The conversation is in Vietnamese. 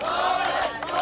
cố